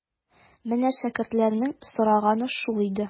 Менә шәкертләрнең сораганы шул иде.